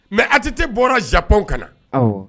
Mɛ atiti bɔra zanpɔnw ka na